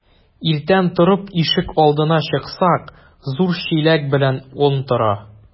Иртән торып ишек алдына чыксак, зур чиләк белән он тора.